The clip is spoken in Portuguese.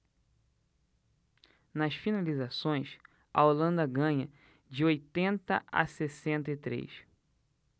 nas finalizações a holanda ganha de oitenta a sessenta e três